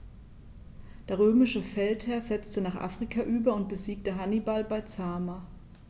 Der römische Feldherr setzte nach Afrika über und besiegte Hannibal bei Zama.